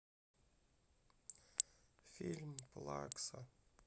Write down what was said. фильм плакса